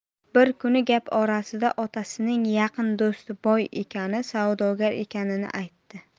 bir kuni gap orasida otasining yaqin do'sti boy ekani savdogar ekanini aytdi